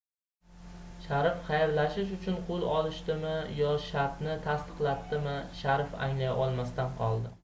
asadbek xayrlashish uchun qo'l olishdimi yo shartni tasdiqlatdimi sharif anglay olmasdan qoldi